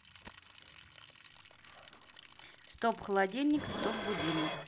стоп холодильник стоп будильник